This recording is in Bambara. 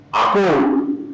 A ko